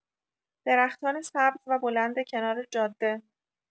درختان سبز و بلند کنار جاده